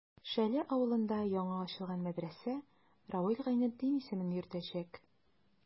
Шәле авылында яңа ачылган мәдрәсә Равил Гайнетдин исемен йөртәчәк.